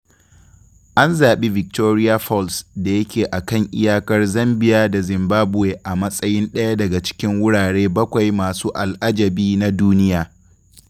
An zaɓi Victoria Falls da yake a kan iyakar Zambia da Zimbabwe a matsayin ɗaya daga cikin wurare bakwai masu al'ajabi na duniya.